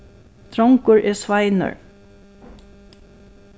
drongur er sveinur s